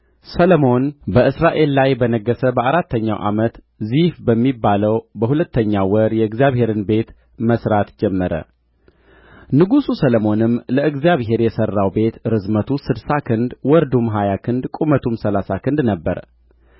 ሰሎሞን በእስራኤል ላይ በነገሠ በአራተኛው ዓመት ዚፍ በሚባለው በሁለተኛው ወር የእግዚአብሔርን ቤት መሥራት ጀመረ ንጉሡ ሰሎሞንም ለእግዚአብሔር የሠራው ቤት ርዝመቱ ስድሳ ክንድ ወርዱም ሀያ ክንድ ቁመቱም ሠላሳ ክንድ ነበረ